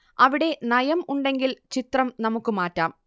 അവിടെ നയം ഉണ്ടെങ്കിൽ ചിത്രം നമുക്ക് മാറ്റാം